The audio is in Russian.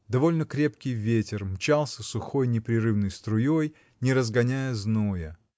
довольно крепкий ветер мчался сухой непрерывной струей, не разгоняя зноя.